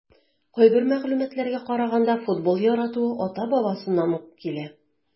Кайбер мәгълүматларга караганда, футбол яратуы ата-бабасыннан ук килә.